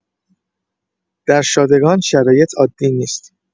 در شادگان شرایط عادی نیست.